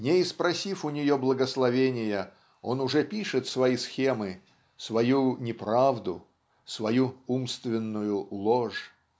не испросив у нее благословения он уже пишет свои схемы свою неправду свою умственную ложь!